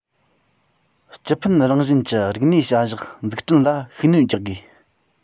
སྤྱི ཕན རང བཞིན གྱི རིག གནས བྱ གཞག འཛུགས སྐྲུན ལ ཤུགས སྣོན རྒྱག དགོས